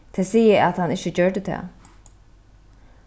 tey siga at hann ikki gjørdi tað